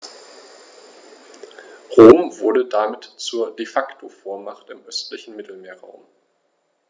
Rom wurde damit zur ‚De-Facto-Vormacht‘ im östlichen Mittelmeerraum.